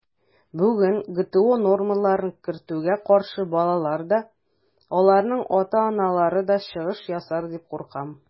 Бүген ГТО нормаларын кертүгә каршы балалар да, аларның ата-аналары да чыгыш ясар дип куркам.